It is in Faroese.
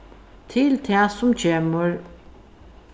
til tað sum kemur